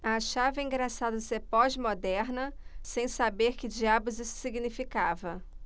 achava engraçado ser pós-moderna sem saber que diabos isso significava